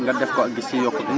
nga def ko ak gis ci yokkute